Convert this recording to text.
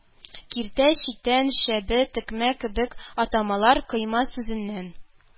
Киртә, читән, чәбе, текмә кебек атамалар «койма» сүзеннән